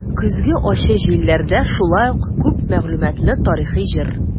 "көзге ачы җилләрдә" шулай ук күп мәгълүматлы тарихи җыр.